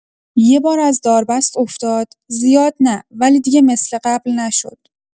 یه بار از داربست افتاد، زیاد نه، ولی دیگه مثل قبل نشد.